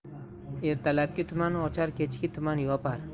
ertalabki tuman ochar kechki tuman yopar